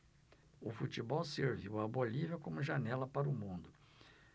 o futebol serviu à bolívia como janela para o mundo